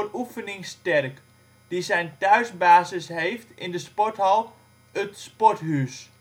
Oefening Sterk), die zijn thuisbasis heeft in de sporthal Ut Sporthuus